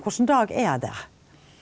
hva slags dag er det?